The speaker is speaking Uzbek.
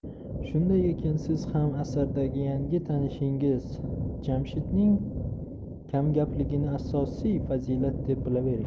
shunday ekan siz ham asardagi yangi tanishingiz jamshidning kamgapligini asosiy fazilat deb bilavering